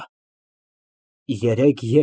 Բավական է։ Թող երեխայությունդ։